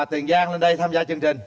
tiền giang lên đây tham gia chương trình